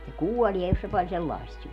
se kuolee jos se paljon sellaista syö